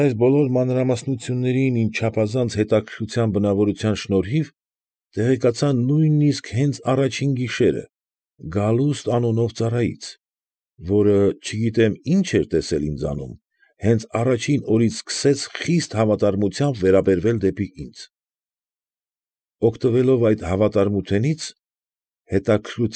Ալեքսանդր։